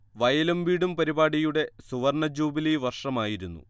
വയലും വീടും പരിപാടിയുടെ സുവർണ്ണ ജൂബിലി വർഷമായിരുന്നു